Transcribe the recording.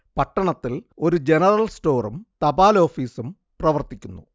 പട്ടണത്തിൽ ഒരു ജനറൽ സ്റ്റോറും തപാലോഫീസും പ്രവർത്തിക്കുന്നു